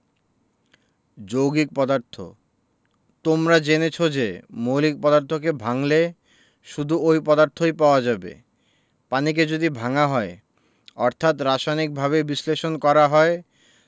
যৌগিক পদার্থ তোমরা জেনেছ যে মৌলিক পদার্থকে ভাঙলে শুধু ঐ পদার্থই পাওয়া যাবে পানিকে যদি ভাঙা হয় অর্থাৎ রাসায়নিকভাবে বিশ্লেষণ করা হয়